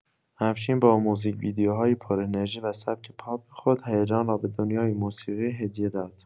افشین با موزیک‌ویدئوهای پرانرژی و سبک پاپ خود، هیجان را به دنیای موسیقی هدیه داد.